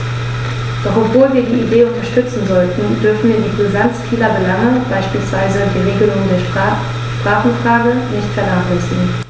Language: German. Doch obwohl wir die Idee unterstützen sollten, dürfen wir die Brisanz vieler Belange, beispielsweise die Regelung der Sprachenfrage, nicht vernachlässigen.